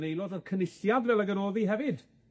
aelod o'r Cynulliad fel ag yr o'dd hi hefyd